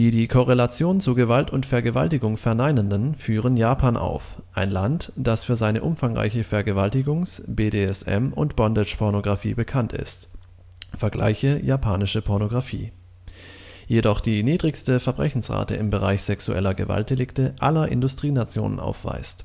die Korrelation zu Gewalt und Vergewaltigung Verneinenden führen Japan auf, ein Land, das für seine umfangreiche Vergewaltigungs -, BDSM - und Bondage-Pornografie bekannt ist (vgl. Japanische Pornografie), jedoch die niedrigste Verbrechensrate im Bereich sexueller Gewaltdelikte aller Industrienationen aufweist